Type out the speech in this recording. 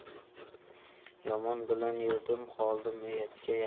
yomon bilan yurdim qoldim uyatga